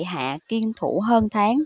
hạ kiên thủ hơn tháng